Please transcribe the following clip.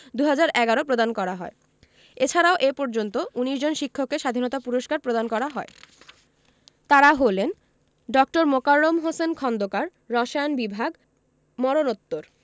২০১১ প্রদান করা হয় এছাড়াও এ পর্যন্ত ১৯ জন শিক্ষককে স্বাধীনতা পুরস্কার প্রদান করা হয় তাঁরা হলেন ড. মোকাররম হোসেন খন্দকার রসায়ন বিভাগ মরণোত্তর